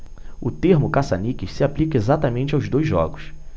o termo caça-níqueis se aplica exatamente aos dois jogos